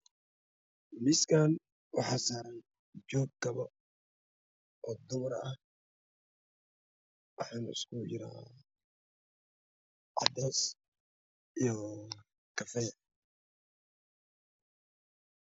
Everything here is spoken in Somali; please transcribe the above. Miiskaan waxa saaran joog kabaha ah waxay isku jiroaan cadays iyo kafee